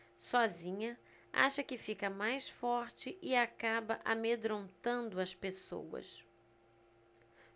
sozinha acha que fica mais forte e acaba amedrontando as pessoas